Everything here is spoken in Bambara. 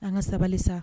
An ka sabali sa